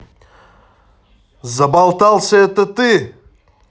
заболтался это ты